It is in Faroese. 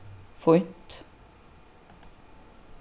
fínt